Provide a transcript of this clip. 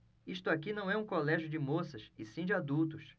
isto aqui não é um colégio de moças e sim de adultos